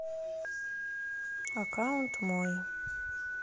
аккаунт мой